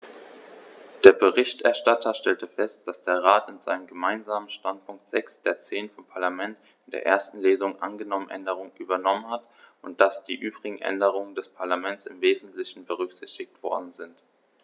Der Berichterstatter stellte fest, dass der Rat in seinem Gemeinsamen Standpunkt sechs der zehn vom Parlament in der ersten Lesung angenommenen Änderungen übernommen hat und dass die übrigen Änderungen des Parlaments im wesentlichen berücksichtigt worden sind.